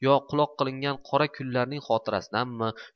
yo quloq qilingan qora kunlardan xotirami